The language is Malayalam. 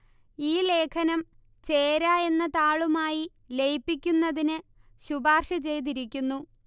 ഈ ലേഖനം ചേര എന്ന താളുമായി ലയിപ്പിക്കുന്നതിന് ശുപാർശ ചെയ്തിരിക്കുന്നു